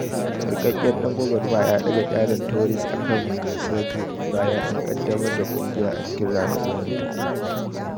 Rikakken dan gwagwarmaya ya daga kyalen Tories akan Brexit bayan an kaddamar da kungiyar a cikin ranakun hutu.